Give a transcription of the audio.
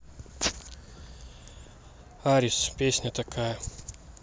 арис песня такая